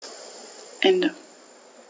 Ende.